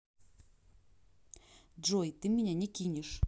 джой ты меня не кинешь